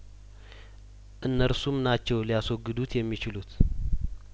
እነርሱም ናቸው ሊያስወግዱት የሚችሉት